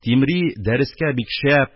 Тимри дәрескә бик шәп,